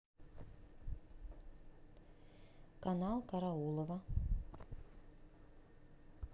канал караулова